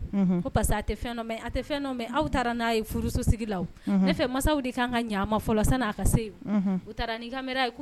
Taara' furu masaw de kan ka ɲa fɔlɔ sani ka se u taara ye